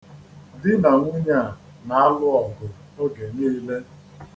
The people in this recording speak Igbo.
Di na nwunye a na-alụ ọgụ oge niile.